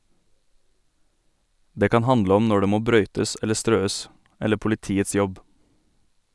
Det kan handle om når det må brøytes eller strøes, eller politiets jobb.